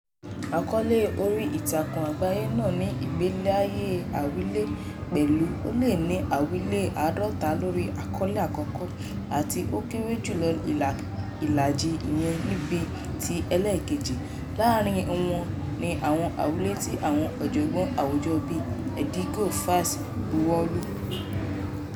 Àkọ́ọ́lẹ̀ orí ìtàkùn àgbáyé náà ní ìgbàláàyé àwílé, pẹ̀lú ó lé ní àwílé 50 lórí àkọ́ọ́lẹ̀ àkọ́kọ́ àti ó kéré jùlọ ìlàjì ìyẹn níbi ti elẹ́ẹ̀kejì, lára wọn ni àwọn àwílé tí àwọn ọ̀jọ̀gbọ́n àwùjọ bíi Edigio Vaz buwọ́lù [pt].